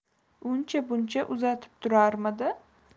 uncha buncha uzatib turarmidi